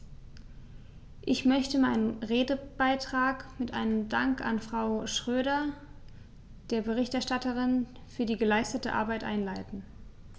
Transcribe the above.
Ich möchte meinen Redebeitrag mit einem Dank an Frau Schroedter, der Berichterstatterin, für die geleistete Arbeit einleiten.